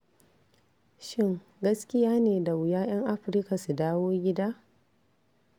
Shin gaskiya ne da wuya 'yan Afrika su dawo gida?